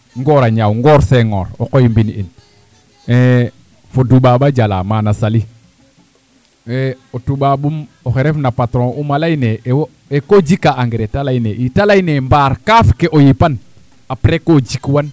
Ngor a ñaaw Ngor Senghor o qoy mbind in fo Toubab jalaa mana Saly o toubab um oxe refna patron um a layin ee wo' koo jikaa engrais ta layine ii ta layin ee mbaa kaaf ke o yipan apres koo jikwan